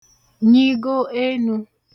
nyigo enū